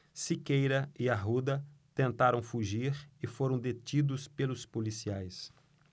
siqueira e arruda tentaram fugir e foram detidos pelos policiais